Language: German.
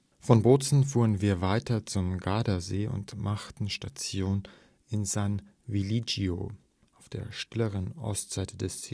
Von Bozen fuhren wir weiter zum Gardasee und machten Station in San Vigilio auf der stilleren Ostseite des